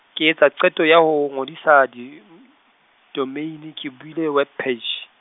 ke etsa qeto ya ho ngodisa di , domeine ke bule web page.